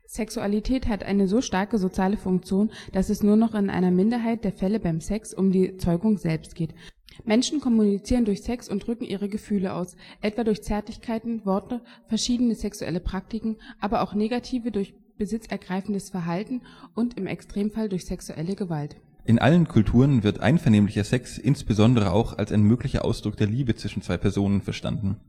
Sexualität hat eine so starke soziale Funktion, dass es nur noch in einer Minderheit der Fälle beim Sex um die Zeugung selbst geht. Menschen kommunizieren durch Sex und drücken ihre Gefühle aus, etwa durch Zärtlichkeiten, Worte, verschiedene sexuelle Praktiken, aber auch negativ durch besitzergreifendes Verhalten und im Extremfall durch sexuelle Gewalt. In allen Kulturen wird einvernehmlicher Sex insbesondere auch als ein möglicher Ausdruck der Liebe zwischen zwei Personen verstanden